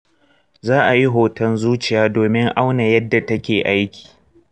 za a yi hoton zuciya domin auna yadda take aiki